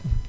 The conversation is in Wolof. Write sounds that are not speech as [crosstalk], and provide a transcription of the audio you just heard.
[hesitation] [hesitation]